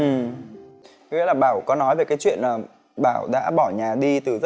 ừ nghĩa là bảo có nói về cái chuyện là bảo đã bỏ nhà đi từ